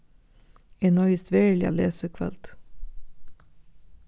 eg noyðist veruliga at lesa í kvøld